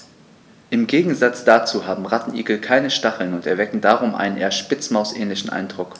Im Gegensatz dazu haben Rattenigel keine Stacheln und erwecken darum einen eher Spitzmaus-ähnlichen Eindruck.